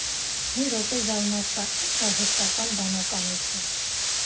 Մի րոպե, զարմացա, ի՞նչ արհեստական բանականություն։